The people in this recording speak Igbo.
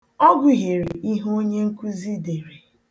Ọ gụhiere ihe onyenkuzi dere.